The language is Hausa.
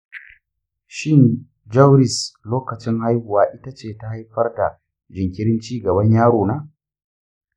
shin jauris lokacin haihuwa ita ce ta haifar da jinkirin ci gaban yarona?